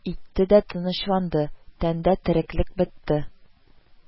Итте дә тынычланды, тәндә тереклек бетте